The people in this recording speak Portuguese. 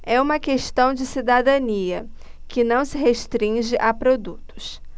é uma questão de cidadania que não se restringe a produtos